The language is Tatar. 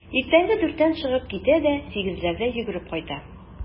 Иртәнге дүрттән чыгып китә дә сигезләрдә йөгереп кайта.